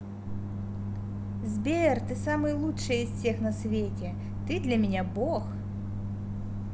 сбер ты самый лучший из всех на свете ты для меня бог